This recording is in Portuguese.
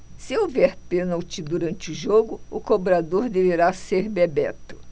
se houver pênalti durante o jogo o cobrador deverá ser bebeto